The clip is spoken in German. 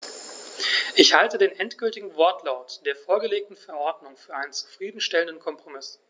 Ich halte den endgültigen Wortlaut der vorgelegten Verordnung für einen zufrieden stellenden Kompromiss.